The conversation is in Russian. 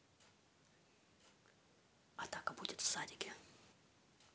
атака будет в садике